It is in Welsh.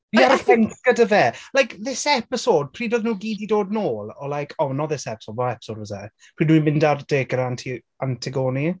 Fi ar y ffens gyda fe. Like this episode, pryd oedd nhw gyd 'di dod nôl, or like, not this episode, what episode was it? Pryd oedd e'n mynd ar dêt gyda Anti- Antigone.